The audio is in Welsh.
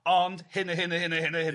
ond hyn a hyn a hyn a hyn a hyn.